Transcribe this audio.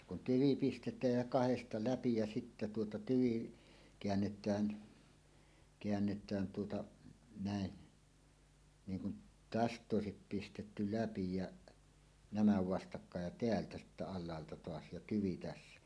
ja kun tyvi pistetään ja kahdesta läpi ja sitten tuota tyvi käännetään käännetään tuota näin niin kuin tästä - olisi pistetty läpi ja nämä vastakkain ja täältä sitten alhaalta taas ja tyvi tässä